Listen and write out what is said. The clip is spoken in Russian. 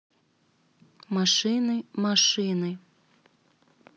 машины машины